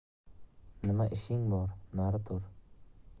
nima ishing bor nari tur